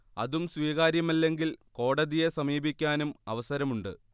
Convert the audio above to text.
അതും സ്വീകാര്യമല്ലെങ്കിൽ കോടതിയെ സമീപിക്കാനും അവസരമുണ്ട്